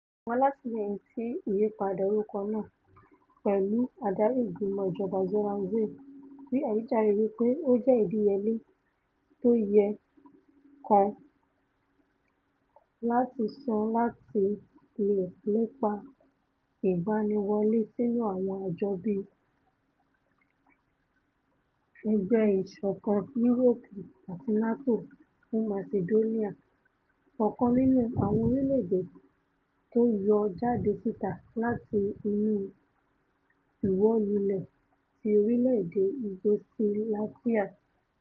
Àwọn alátìlẹyìn ti ìyípadà orúkọ náà, pẹ̀lú Adarí Ìgbìmọ̀ Ìjọba Zoran Zaev, wí àwíjàre wí pé ó jẹ́ ìdíyelé tóyẹ kan láti san láti leè lépa ìgbaniwọlé sínu àwọn àjọ bíi EU àti NATO fún Masidóníà, ọ̀kan nínú àwọn orílẹ̀-èdè tó yọ jáde síta láti inú ìwólulẹ̀ ti orílẹ̀-èdè Yugosilafia.